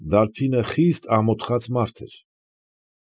Դարբինը խիստ ամոթխած մարդ էր։